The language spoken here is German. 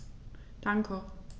Danke.